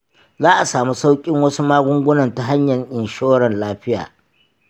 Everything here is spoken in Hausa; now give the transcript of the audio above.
za'a samu sauƙin wasu magungunan ta hanyan inshoran lafiya.